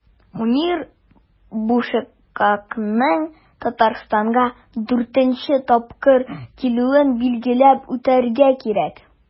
Мөнир Бушенакиның Татарстанга 4 нче тапкыр килүен билгеләп үтәргә кирәк.